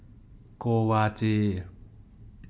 โกวาจี